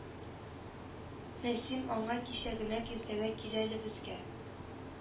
Нәсим аңа кичәгенәк иртәгә кил әле безгә